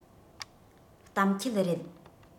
གཏམ འཁྱལ རེད